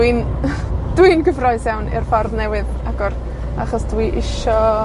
dwi'n, dwi'n cyffrous iawn i'r ffordd newydd agor, achos dwi isio